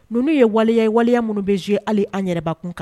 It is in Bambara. Nunun ye waleya ye waleya mun be jouer an yɛrɛ kun kan.